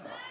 waaw